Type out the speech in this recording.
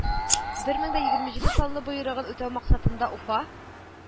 Бер мең дә егерме җиде санлы боерыгын үтәү максатында, уфа